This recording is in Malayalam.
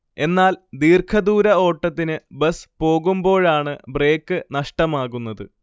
എന്നാൽ ദീർഘദൂര ഓട്ടത്തിന് ബസ് പോകുമ്പോഴാണ് ബ്രേക്ക് നഷ്ടമാകുന്നത്